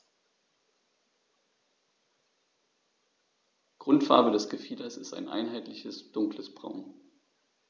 Grundfarbe des Gefieders ist ein einheitliches dunkles Braun.